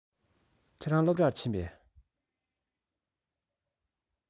ཁྱེད རང སློབ གྲྭར ཕེབས པས